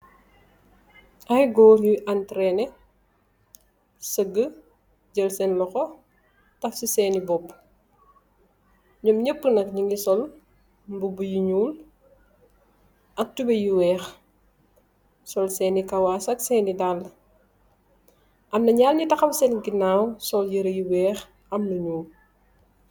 Ay goor yi anterene, saag jal sen loxo taf si seeni boppu, nyum nya pu nak nyo ngi sol mbubu yu nyuul, ak tubay yu weex, sol seeni kawas sag seeni daale, amna nyaar nyu taxaw sen ganaw, sol yere yu weex am lu nyuul